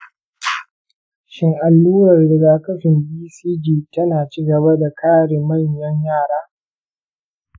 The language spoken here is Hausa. shin allurar rigakafin bcg tana ci gaba da kare manyan yara?